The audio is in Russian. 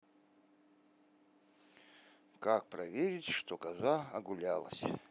как проверить что коза огулялась